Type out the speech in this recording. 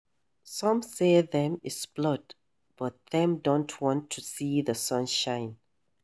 Some say them is blood but them don't want to see the sunshine